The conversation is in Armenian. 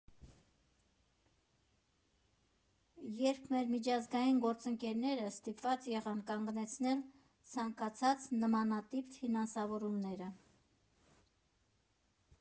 Երբ մեր միջազգային գործընկերները ստիպված եղան կանգնեցնել ցանկացած նմանատիպ ֆինանսավորումները։